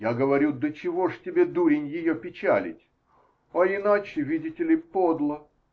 ) Я говорю: да чего ж тебе, дурень, ее печалить? А иначе, видите ли, подло.